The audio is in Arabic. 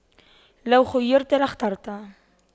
لو خُيِّرْتُ لاخترت